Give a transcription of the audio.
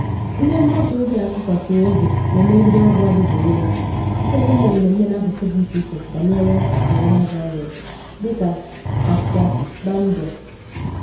Ndị mgbasaozi a tụkwasara obi na-emegide ọgwụ adigboroja site n'ime mmemme n'asụsụ dị icheiche banyere coronavirus. dịka #bambara